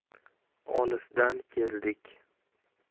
olisdan keldik